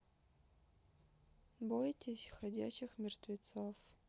бойтесь ходячих мертвецов